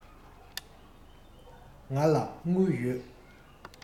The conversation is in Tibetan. ང ལ དངུལ ཡོད